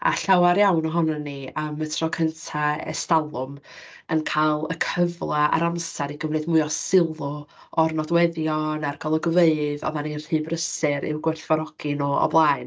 A llawer iawn ohonon ni am y tro cynta ers talwm yn cael y cyfle a'r amser i gymryd mwy o sylw o'r nodweddion a'r golygfeydd oeddan ni'n rhy brysur i'w gwerthfawrogi nhw o blaen.